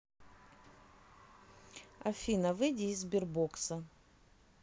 афина выйти из сбербокса